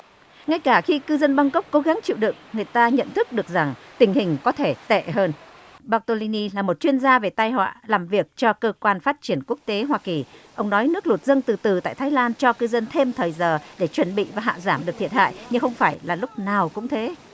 ngay cả khi cư dân băng cốc cố gắng chịu đựng người ta nhận thức được rằng tình hình có thể tệ hơn bác tô ni ni là một chuyên gia về tai họa làm việc cho cơ quan phát triển quốc tế hoa kỳ ông nói nước lụt dâng từ từ tại thái lan cho cư dân thêm thời giờ để chuẩn bị và hạ giảm được thiệt hại nhưng không phải là lúc nào cũng thế